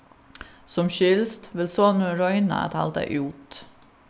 sum skilst vil sonurin royna at halda út